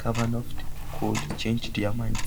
Kavanaugh could change their minds